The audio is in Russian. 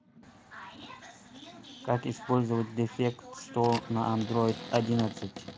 как использовать дефект стол на андроид одиннадцать